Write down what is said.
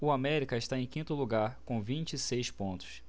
o américa está em quinto lugar com vinte e seis pontos